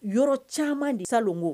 Yɔrɔ caman de salen ko